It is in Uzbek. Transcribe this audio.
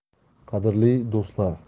qadrli do'stlar